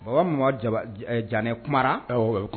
O mɔgɔ jan kuma kuma